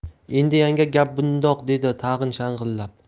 endi yanga gap bundoq dedi tag'in shang'illab